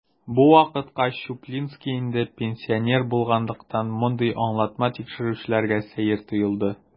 Бу вакытка Чуплинский инде пенсионер булганлыктан, мондый аңлатма тикшерүчеләргә сәер тоелды.